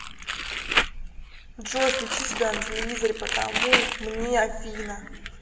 джой выключи себя на телевизоре потому мне афина